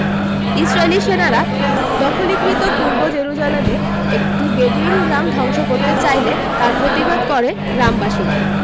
ইসরাইলি সেনারা দখলীকৃত পূর্ব জেরুজালেমে একটি বেদুইন গ্রাম ধ্বংস করতে চাইলে তার প্রতিবাদ করে গ্রামবাসীরা